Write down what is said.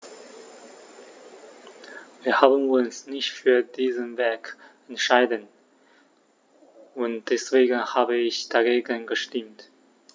Wir haben uns nicht für diesen Weg entschieden, und deswegen habe ich dagegen gestimmt.